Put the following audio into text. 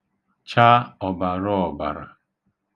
chā ọ̀bàraọ̀bàrà